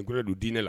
N kura don diinɛ la